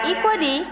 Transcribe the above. i ko di